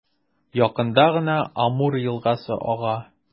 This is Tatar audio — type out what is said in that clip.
Якында гына Амур елгасы ага.